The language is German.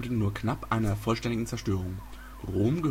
nur knapp einer vollständigen Zerstörung. Rom